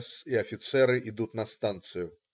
С. и офицеры идут на станцию.